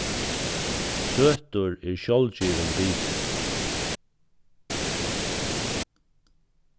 søtur er sjálvgivin biti